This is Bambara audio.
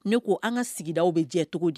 Ne ko an ka sigidaw bɛ jɛ cogo di?